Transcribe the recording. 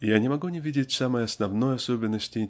Я не могу не видеть самой основной особенности .